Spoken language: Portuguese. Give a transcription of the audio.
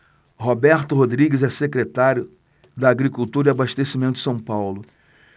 roberto rodrigues é secretário da agricultura e abastecimento de são paulo